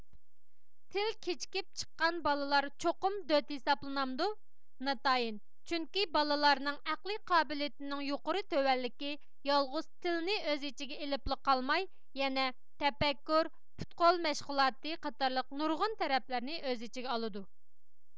تىل كىچىكىپ چىققان بالىلار چوقۇم دۆت ھېسابلىنامدۇ ناتايىن چۈنكى بالىلارنىڭ ئەقلىي قابىلىيىتىنىڭ يۇقىرى تۆۋەنلىكى يالغۇز تىلنى ئۆز ئىچىگە ئېلىپلا قالماي يەنە تەپەككۇر پۇت قول مەشغۇلاتى قاتارلىق نۇرغۇن تەرەپلەرنى ئۆز ئىچىگە ئالىدۇ